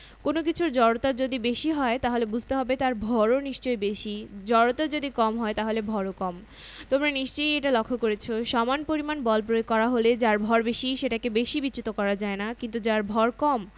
সেটা এখনো বলা হয়নি এটা যদি পদার্থবিজ্ঞানের বই না হয়ে অন্য কোনো বই হতো তাহলে বল প্রয়োগ এর জায়গায় শক্তি প্রয়োগ কথাটা ব্যবহার করলেও বাক্যটায় অর্থের কোনো উনিশ বিশ হতো না